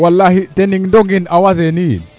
walahi Tening Ndong in Aa Seny yiin